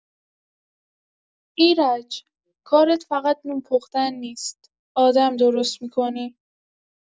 ایرج، کارت فقط نون پختن نیست، آدم درست می‌کنی.